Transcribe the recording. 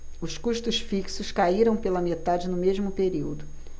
os custos fixos caíram pela metade no mesmo período